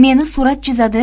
meni surat chizadi